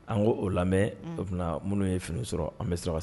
An ko o lamɛn o minnu ye fini sɔrɔ an bɛ sira